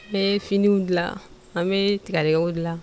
An bɛ finiw dilan an bɛ tigajɛw dilan